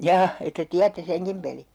jaa että tiedätte senkin pelin